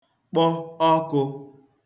kpọ ọkụ̄